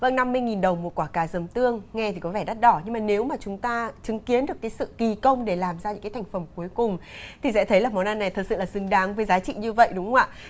vâng năm mươi nghìn đồng một quả cà dầm tương nghe thì có vẻ đắt đỏ nhưng mà nếu mà chúng ta chứng kiến được cái sự kỳ công để làm ra những cái thành phẩm cuối cùng thì sẽ thấy món ăn này thực sự là xứng đáng với giá trị như vậy đúng không ạ